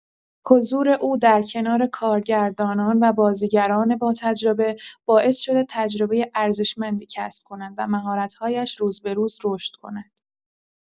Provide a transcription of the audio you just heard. حضور او در کنار کارگردانان و بازیگران باتجربه باعث شده تجربه ارزشمندی کسب کند و مهارت‌هایش روزبه‌روز رشد کند.